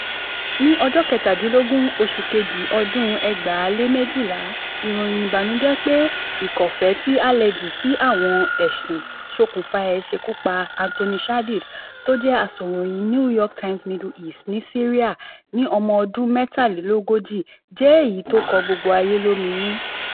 Ní Fẹ́búárì 17, ọdún 2012, ìròyìn ìbànújẹ́ pé ikọ́fee tí álẹ́jì sí àwọn ẹṣin ṣokùnfà ẹ̀ ṣekú pa Anthony Shadid tó jẹ́ Asọrọ̀yìn New York Times Middle East ní Syria ni ọmọ ọdún 43, jẹ́ èyí tó kọ gbogbo ayé lóminú.